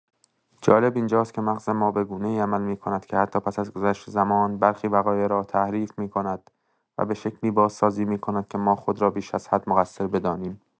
جالب اینجاست که مغز ما به‌گونه‌ای عمل می‌کند که حتی پس از گذشت زمان، برخی وقایع را تحریف می‌کند و به‌شکلی بازسازی می‌کند که ما خود را بیش از حد مقصر بدانیم.